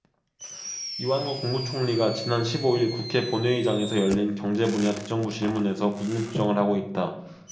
이완구 국무총리가 지난 십 오 일 국회 본회의장에서 열린 경제분야 대정부질문에서 굳은 표정을 하고 있다